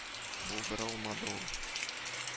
Булдыра алмады ул